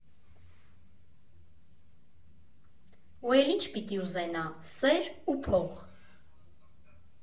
Ու էլ ի՞նչ պիտի ուզենա՝ սեր ու փող։